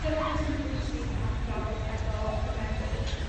Dyma beth sy'n bwysig am drafod efo y meddyg.